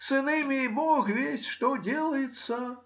с иными бог весть что деется.